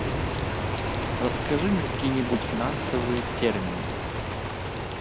расскажи мне какие нибудь финансовые термины